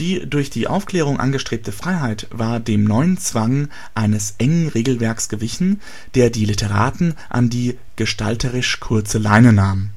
Die durch die Aufklärung angestrebte Freiheit war dem neuen Zwang eines engen Regelwerks gewichen, der die Literaten an die (gestalterisch) kurze Leine nahm